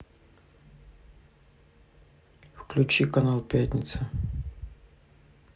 включи канал пятница